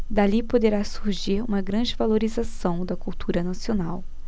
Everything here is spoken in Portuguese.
dali poderá surgir uma grande valorização da cultura nacional